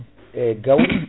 e gawri